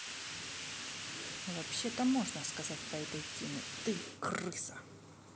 вообще то можно сказать по этой теме ты крыса